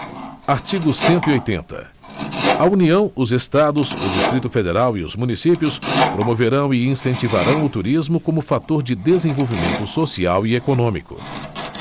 artigo cento e oitenta a união os estados o distrito federal e os municípios promoverão e incentivarão o turismo como fator de desenvolvimento social e econômico